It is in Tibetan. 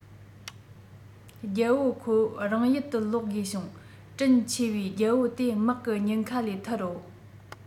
རྒྱལ པོ ཁོ རང ཡུལ དུ ལོག དགོས བྱུང དྲིན ཆི བའི རྒྱལ པོ དེ དམག གི ཉེན ཁ ལས ཐར རོ